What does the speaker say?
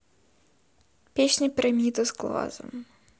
песня пирамида с глазом